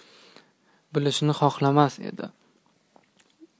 bilishni xohlamas edi